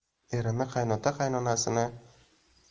erini qaynota qaynonasini qaynbo'yinlarini